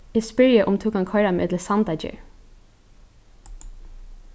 eg spyrji um tú kann koyra meg til sandagerð